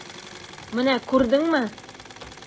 Менә күрдеңме?